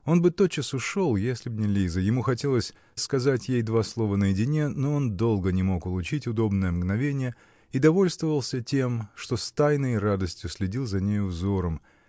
Он бы тотчас ушел, если б не Лиза: ему хотелось сказать ей два слова наедине, но он долго не мог улучить удобное мгновенье и довольствовался тем, что с тайной радостью следил за нею взором